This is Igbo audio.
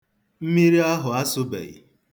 Mmiri ahụ asụbeghị.